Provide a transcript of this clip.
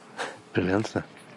Briliant 'de?